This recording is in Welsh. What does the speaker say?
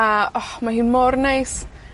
A, o, mae hi mor neis